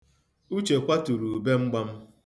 Uche kwaturu ubemgba m.